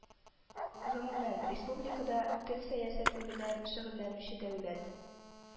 Гомумән, республикада тел сәясәте белән шөгыльләнүче дәүләт